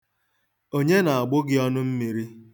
Onye na-agbu gị ọnụmmīrī?